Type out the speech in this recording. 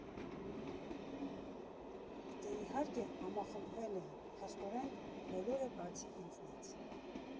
Դե իհարկե, համախմբվել էին, փաստորեն, բոլորը, բացի ինձնից։